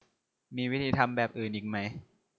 มีวิธีทำแบบอื่นอีกไหม